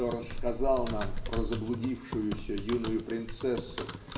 кто рассказал нам про заблудившуюся юную принцессу